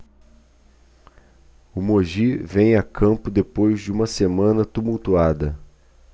o mogi vem a campo depois de uma semana tumultuada